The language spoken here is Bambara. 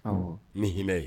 Ni hinɛ ye